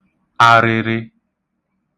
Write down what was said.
arịrị